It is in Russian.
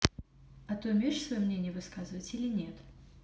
а ты умеешь свое мнение высказывать или нет